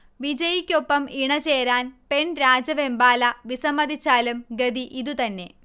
വിജയിക്കൊപ്പം ഇണചേരാൻ പെൺരാജവെമ്പാല വിസമ്മതിച്ചാലും ഗതി ഇതുതന്നെ